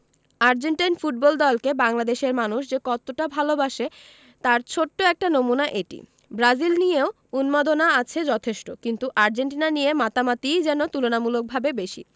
Argentine football দলকে বাংলাদেশের মানুষ যে কতটা ভালোবাসে তার ছোট্ট একটা নমুনা এটি ব্রাজিল নিয়েও উন্মাদনা আছে যথেষ্ট কিন্তু আর্জেন্টিনা নিয়ে মাতামাতিই যেন তুলনামূলকভাবে বেশি